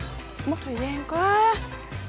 mất thời gian quá